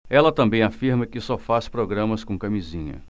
ela também afirma que só faz programas com camisinha